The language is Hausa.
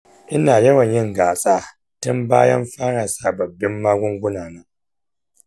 ina yawan yin gyatsa tun bayan fara sababbin magunguna.